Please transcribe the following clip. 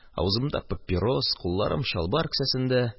Авызымда – папирос, кулларым – чалбар кесәсендә.